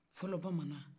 fɔlɔn bamanan